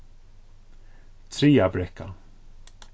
traðabrekka